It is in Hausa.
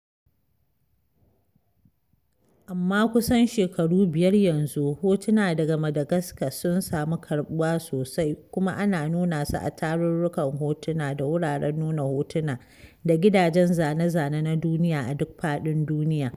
Amma kusan shekaru biyar yanzu, hotuna daga Madagascar sun samu karɓuwa sosai kuma ana nuna su a tarurrukan hotuna da wuraren nuna hotuna da gidajen zane-zane na duniya a duk faɗin duniya.